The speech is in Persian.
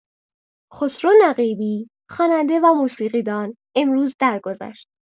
خسرو نقیبی، خواننده و موسیقی‌دان، امروز درگذشت.